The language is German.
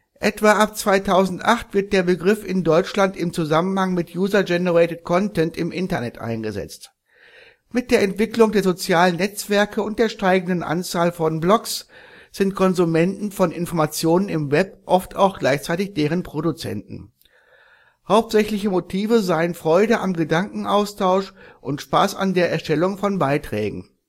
Etwa ab 2008 wird der Begriff in Deutschland im Zusammenhang mit User-Generated-Content im Internet eingesetzt. Mit der Entwicklung der sozialen Netzwerke und der steigenden Anzahl von Blogs sind Konsumenten von Informationen im Web oft auch gleichzeitig deren Produzenten. Hauptsächliche Motive seien Freude am Gedankenaustausch und Spaß an der Erstellung von Beiträgen